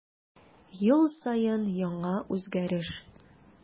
Ел саен яңа үзгәреш.